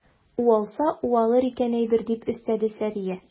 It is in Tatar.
Уалса уалыр икән әйбер, - дип өстәде Сәрия.